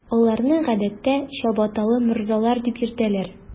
Аларны, гадәттә, “чабаталы морзалар” дип йөртәләр.